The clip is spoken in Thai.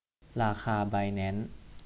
ราคาไบแนนซ์